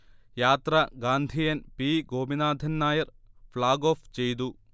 യാത്ര Gandhian P Gopinathan Nair flag off ചെയ്തു